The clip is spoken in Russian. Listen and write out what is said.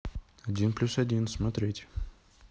один плюс один смотреть